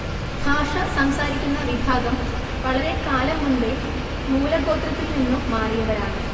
ഭാഷ സംസാരിക്കുന്ന വിഭാഗം വളരെക്കാലം മുൻപെ മൂലഗോത്രത്തിൽനിന്നു മാറിയവരാണ്